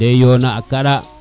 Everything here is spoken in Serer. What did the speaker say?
de yona a kaɗa